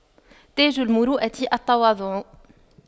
تاج المروءة التواضع